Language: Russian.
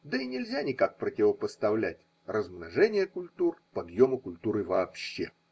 Да и нельзя никак противопоставлять размножение культур подъему культуры вообще.